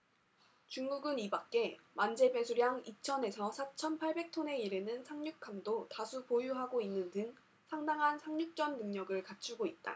중국은 이밖에 만재배수량 이천 에서 사천 팔백 톤에 이르는 상륙함도 다수 보유하고 있는 등 상당한 상륙전 능력을 갖추고 있다